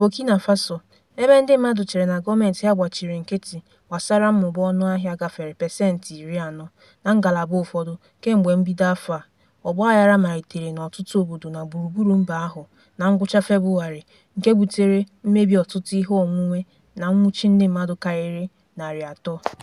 Na Burkina Faso, ebe ndị mmadụ chere na gọọmentị ha gbachịrị nkịtị gbasara mmụba ọnụahịa gafere pasenti 40 na ngalaba ụfọdụ kemgbe mbido afọ a, ọgbaaghara malitere n'ọtụtụ obodo na gburugburu mba ahụ na ngwụcha Febụwarị, nke butere mmebi ọtụtụ ihe onwunwe na nwụchi ndị mmadụ karịrị 300.